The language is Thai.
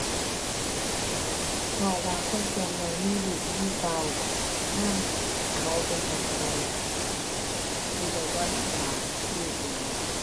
เพราะว่าคนส่วนใหญ่มีลูกมีเต้า ยามเขาเป็นหยังไปสิได้บ่ลำบากลูกหลาน